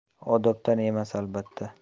odobdan emas albatta